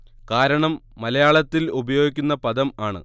കാരണം മലയാളത്തിൽ ഉപയോഗിക്കുന്ന പദം അതാണ്